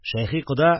Шәйхи кода